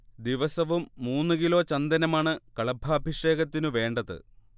ദിവസവും മൂന്ന് കിലോ ചന്ദനമാണ് കളഭാഭിഷേകത്തിനു വേണ്ടത്